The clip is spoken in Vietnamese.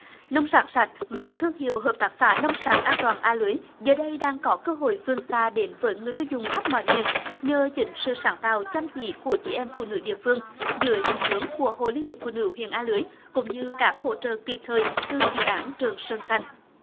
nông sản sạch mang thương hiệu hợp tác xã nông sản an toàn a lưới giờ đây đang có cơ hội vươn xa đến với người tiêu dùng khắp mọi miền nhờ chính sự sáng tạo chăm chỉ của chị em phụ nữ địa phương dưới định hướng của hội liên hiệp phụ nữ huyện a lưới cũng như các hỗ trợ kịp thời từ dự án trường sơn xanh